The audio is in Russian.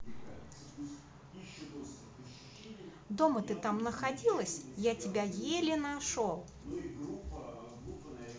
дома ты там находилась я тебя еле нашел